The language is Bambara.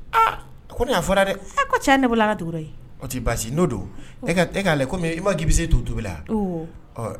Aa a ko ne'a fɔra dɛ a ko cɛ nebɔla tɛ basi n'o don e e'ale komi i m ma'i bisimilase t' to la